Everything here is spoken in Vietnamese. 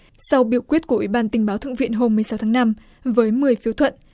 sau biểu quyết của ủy ban tình báo thượng viện hôm mười sáu tháng năm với mười phiếu thuận